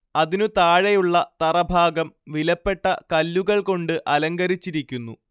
അതിനു താഴെയുള്ള തറ ഭാഗം വിലപ്പെട്ട കല്ലുകൾ കൊണ്ട് അലങ്കരിച്ചിരിക്കുന്നു